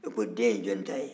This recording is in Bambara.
ko den ye jɔnw ta ye